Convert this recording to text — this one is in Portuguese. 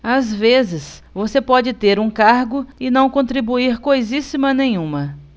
às vezes você pode ter um cargo e não contribuir coisíssima nenhuma